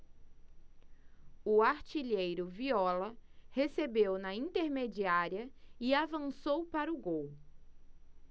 o artilheiro viola recebeu na intermediária e avançou para o gol